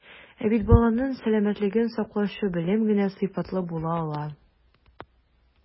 Ә бит баланың сәламәтлеген саклаучы белем генә сыйфатлы була ала.